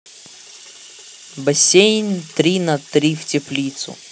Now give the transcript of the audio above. бассейн три на три в теплицу